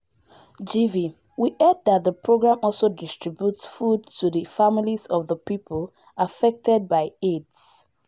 GV: We heard that the programme also distributes food to the families of the people affected by AIDS.